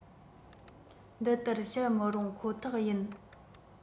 འདི ལྟར བཤད མི རུང ཁོ ཐག ཡིན